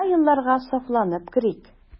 Яңа елларга сафланып керик.